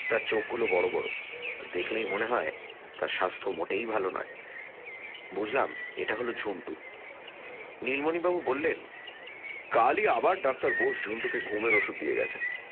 তার চোখগুলো বড় বড় আর দেখলেই মনে হয় তার স্বাস্থ্য মোটেই ভাল নয় বুঝলাম এই হল ঝুন্টু নীলমণিবাবু বললেন কালই আবার ডাক্তার বোস বুন্টুকে ঘুমের ওষুধ দিয়ে গেছেন